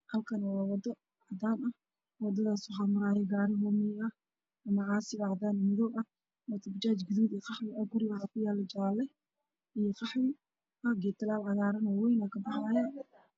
Halkaani waa wado cadaan ah wadataas waxaa marayaa gaari hoomay ah ama caasi cadaan iyo madow ah bajaj madow gaduud iyo qaxwi ah guri waxaa ku yaala jaalle iyo qaxwi ah geed talaal wayn oo cagaar ah.